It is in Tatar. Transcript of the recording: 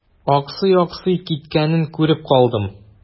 Аксый-аксый киткәнен күреп калдым.